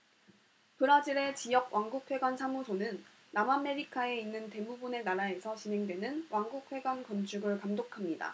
브라질의 지역 왕국회관 사무소는 남아메리카에 있는 대부분의 나라에서 진행되는 왕국회관 건축을 감독합니다